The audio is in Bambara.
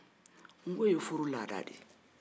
nko ye furu laada de ye